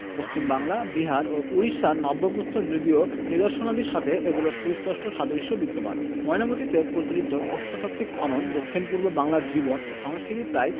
পশ্চিম বাংলা বিহার ও উড়িষ্যার নব্য প্রস্তর যুগীয় নিদর্শনাদির সাথে এগুলির সুস্পষ্ট সাদৃশ্য বিদ্যমান ময়নামতীতে পরিচালিত প্রত্নতাত্ত্বিক খনন দক্ষিণ পূর্ব বাংলার জীবন ও সংস্কৃতির প্রায়